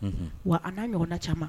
Wa an'a ɲɔgɔnna caman